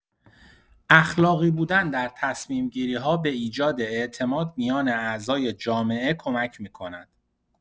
اخلاقی‌بودن در تصمیم‌گیری‌ها به ایجاد اعتماد میان اعضای جامعه کمک می‌کند.